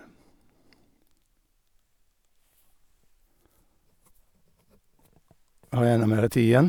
Har jeg ennå mere tid igjen?